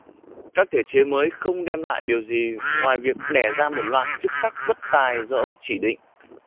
các thể chế mới không đem lại điều gì ngoài việc đẻ ra một loạt chức sắc bất tài do ông chỉ định